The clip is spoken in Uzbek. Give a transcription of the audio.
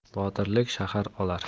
botirlik shahar olar